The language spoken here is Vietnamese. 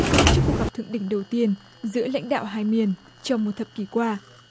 tích cực trước cuộc gặp thượng đỉnh đầu tiên giữa lãnh đạo hai miền trong một thập kỷ qua